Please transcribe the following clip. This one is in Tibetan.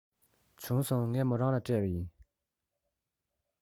བྱུང སོང ངས མོ རང ལ སྤྲད པ ཡིན